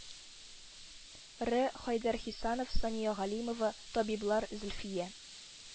Ры хәйдәр хисанов, сания галимова, табиблар зөлфия